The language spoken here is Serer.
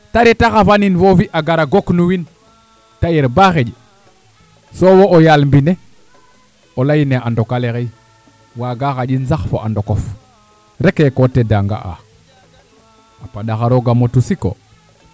te reta xafanin foofi a gara gooknuwim te yer baa xeƴ soo wo o yaal mbind ne o layin ee a ndok ale xay waaga xaƴin sax fo a ndokof rekee ko tedaanga'aa a paɗax a roog a motu sik koo